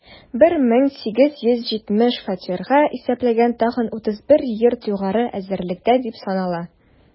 1770 фатирга исәпләнгән тагын 31 йорт югары әзерлектә дип санала.